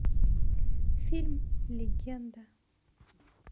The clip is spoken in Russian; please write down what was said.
фильм легенда